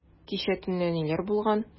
Кичә төнлә ниләр булган?